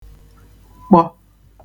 kpọ